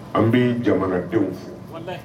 An bɛ jamanadenw fo